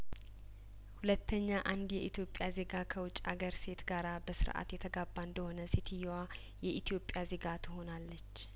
ሁለተኛ አንድ የኢትዮጵያ ዜጋ ከውጭ አገር ሴት ጋራ በስርአት የተጋባ እንደሆነ ሴትዮዋ የኢትዮጵያ ዜጋ ትሆናለች